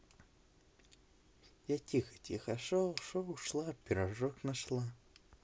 я тихо тихо шел шел шла пирожок нашла